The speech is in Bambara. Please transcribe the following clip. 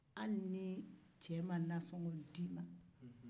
hali ni i cɛ ma nasɔngɔ di e man